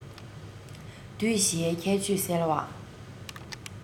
དུས བཞིའི ཁྱད ཆོས གསལ བ